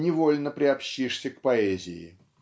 невольно приобщишься к поэзии.